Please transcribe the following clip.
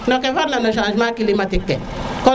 no ke far na no changement climatique ke